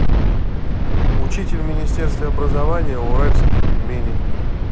учитель в министерстве образования уральские пельмени